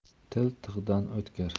til tig'dan o'tkir